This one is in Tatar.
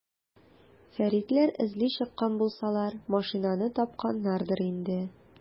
Фәритләр эзли чыккан булсалар, машинаны тапканнардыр инде.